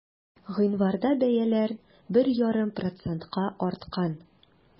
Гыйнварда бәяләр 1,5 процентка арткан.